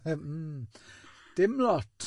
Traff- mm, dim lot.